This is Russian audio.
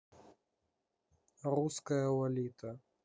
русская лолита